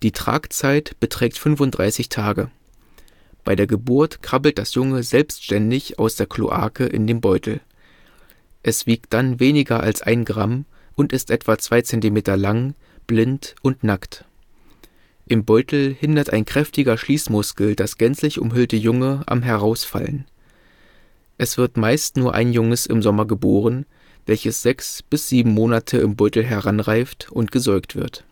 Tragzeit beträgt 35 Tage. Bei der Geburt krabbelt das Junge selbständig aus der Kloake in den Beutel. Es wiegt dann weniger als ein Gramm und ist etwa 2 cm lang, blind und nackt. Im Beutel hindert ein kräftiger Schließmuskel das gänzlich umhüllte Junge am Herausfallen. Es wird meist nur ein Junges im Sommer geboren, welches sechs bis sieben Monate im Beutel heranreift und gesäugt wird